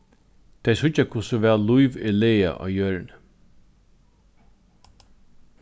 tey síggja hvussu væl lív er lagað á jørðini